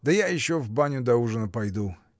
— Да я еще в баню до ужина пойду.